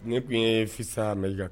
Ne tun ye sisan m